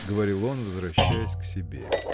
— говорил он, возвращаясь к себе.